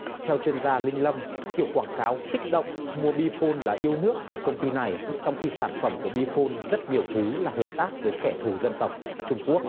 theo chuyên gia linh lâm kiểu quảng cáo kích động mua bi phôn là yêu nước của công ty này trong khi sản phẩm của bi phôn rất nhiều thứ là hợp tác với kẻ thù dân tộc trung quốc